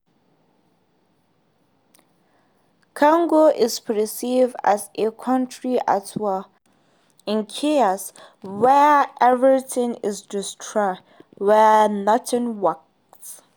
Congo is perceived as a country at war, in chaos, where everything is destroyed, where nothing works.